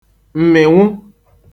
m̀mị̀nwụ